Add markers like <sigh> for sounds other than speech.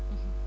<hesitation> <hesitation>